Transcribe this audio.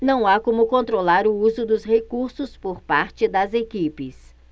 não há como controlar o uso dos recursos por parte das equipes